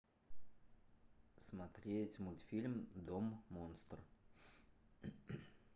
смотреть мультфильм дом монстр